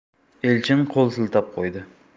elchin qo'l siltab qo'ydi